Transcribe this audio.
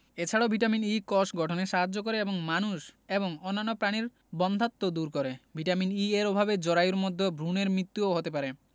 এ ছাড়া vitamin E কষ গঠনে সাহায্য করে এবং মানুষ এবং অন্যান্য প্রাণীর বন্ধ্যাত্ব দূর করে ভিটামিন E এর অভাবে জরায়ুর মধ্যে ভ্রুনের মৃত্যুও হতে পারে